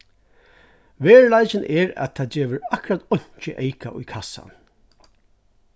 veruleikin er at tað gevur akkurát einki eyka í kassan